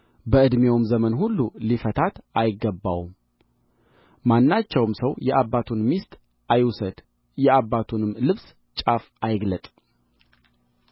በዕድሜውም ዘመን ሁሉ ሊፈታት አይገባውም ማናቸውም ሰው የአባቱን ሚስት አይውሰድ የአባቱንም ልብስ ጫፍ አይግለጥ